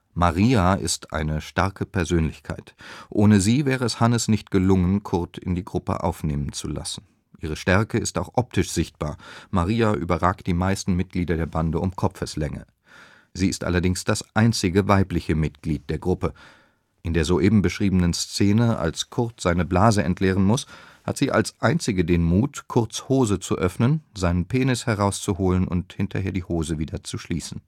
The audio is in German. Maria ist eine starke Persönlichkeit. Ohne sie wäre es Hannes nicht gelungen, Kurt in die Gruppe aufnehmen zu lassen. Ihre Stärke ist auch optisch sichtbar; Maria überragt die meisten Mitglieder der Bande um Kopfeslänge. Sie ist allerdings das einzige weibliche Mitglied der Gruppe. In der oben beschriebenen Szene, als Kurt seine Blase entleeren muss, hat sie als einzige den Mut, Kurts Hose zu öffnen, seinen Penis herauszuholen und hinterher die Hose wieder zu schließen